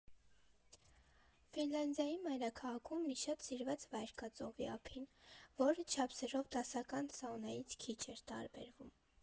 Ֆինլանդիայի մայրաքաղաքում մի շատ սիրված վայր կա ծովի ափին, որը չափսերով դասական սաունայից քիչ է տարբերվում։